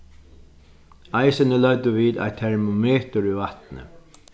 eisini løgdu vit eitt termometur í vatnið